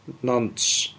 Nantes.